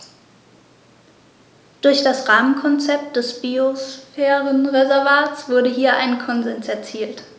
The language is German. Durch das Rahmenkonzept des Biosphärenreservates wurde hier ein Konsens erzielt.